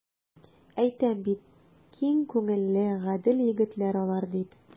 Әйтәм бит, киң күңелле, гадел егетләр алар, дип.